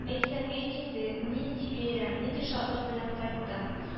— әйтсәң әйт инде, нинди бәйрәм, нинди шатлык белән кайттың